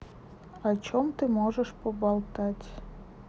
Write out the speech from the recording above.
о чем ты можешь поболтать